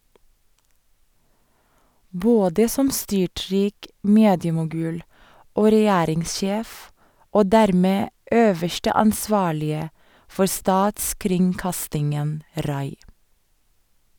Både som styrtrik mediemogul og regjeringssjef, og dermed øverste ansvarlige for statskringkastingen RAI.